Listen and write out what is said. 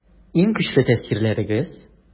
Иң көчле тәэсирләрегез?